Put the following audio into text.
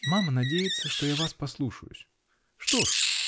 -- Мама надеется, что я вас послушаюсь . Что ж?